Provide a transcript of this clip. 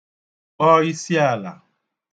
kpọ isiàlà